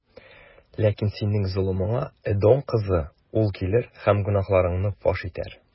Ләкин синең золымыңа, Эдом кызы, ул килер һәм гөнаһларыңны фаш итәр.